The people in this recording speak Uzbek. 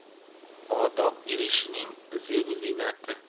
odob irishining zeb u ziynati